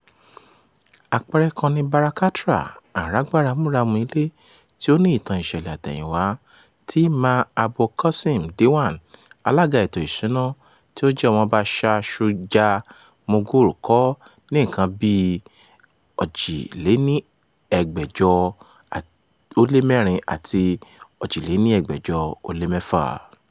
Àpẹẹrẹ kan ni Bara Katra, àrágbáramúramù ilé tí ó ní ìtàn-ìṣẹ̀lẹ̀-àtẹ̀yìnwá tí Mir Abul Qasim, Diwan (alága ètò ìṣúná) ti ó jẹ́ ọmọba Shah Shuja Mughul kọ́ ní nǹkan bíi 1644 àti 1646.